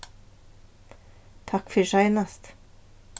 takk fyri seinast